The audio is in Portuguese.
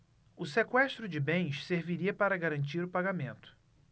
o sequestro de bens serviria para garantir o pagamento